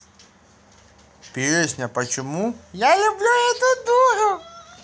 песня почему я люблю эту дуру